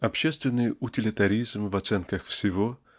Общественный утилитаризм в оценках всего